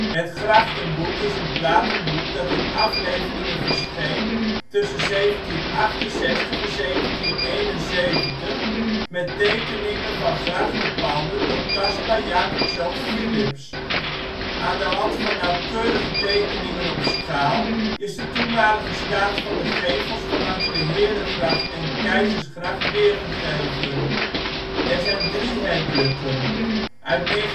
Het ' Grachtenboek ' is een platenboek dat in afleveringen verscheen tussen 1768 en 1771 met tekeningen van grachtenpanden door Caspar Jacobz. Philips. Aan de hand van nauwkeurige tekeningen op schaal is de toenmalige staat van de gevels van langs de Herengracht en Keizersgracht weergegeven. Er zijn drie herdrukken: uit 1922